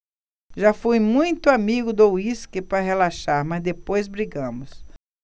já fui muito amigo do uísque para relaxar mas depois brigamos